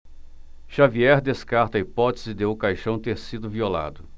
xavier descarta a hipótese de o caixão ter sido violado